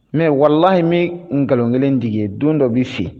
Mais walahi mee nkalon 1 tig'i ye don dɔ be se